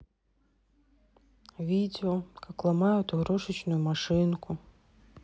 видео как ломают игрушечную машинку